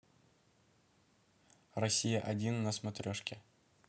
россия один на смотрешке